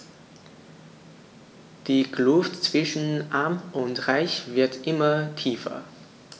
Die Kluft zwischen Arm und Reich wird immer tiefer.